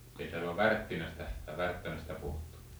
että ei täällä ole värttinästä tai värttänästä puhuttu